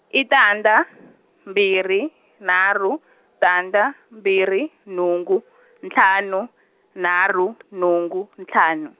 i tandza, mbirhi nharhu tandza mbirhi nhungu ntlhanu nharhu nhungu ntlhanu.